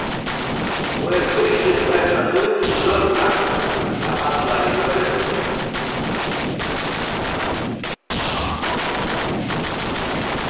og er tískil bert ein lítil brøkpartur av allari jørðini